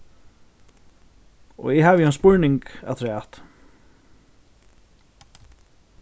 og eg havi ein spurning afturat